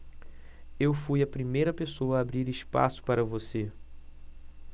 eu fui a primeira pessoa a abrir espaço para você